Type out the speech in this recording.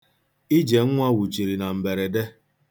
Ijenwa wụchiri na mberede.